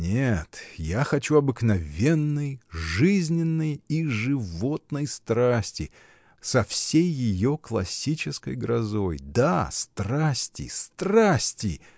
— Нет, я хочу обыкновенной, жизненной и животной страсти, со всей ее классической грозой. Да, страсти, страсти!.